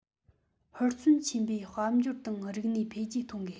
ཧུར བརྩོན ཆེན པོས དཔལ འབྱོར དང རིག གནས འཕེལ རྒྱས གཏོང དགོས